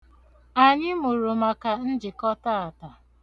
Anyị mụrụ maka njikọ taata.